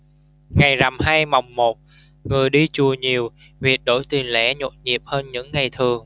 ngày rằm hay mồng một người đi chùa nhiều việc đổi tiền lẻ nhộn nhịp hơn những ngày thường